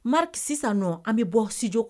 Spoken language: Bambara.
Maliri sisan nɔ an bɛ bɔ sidi